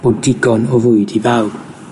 bod digon o fwyd i bawb.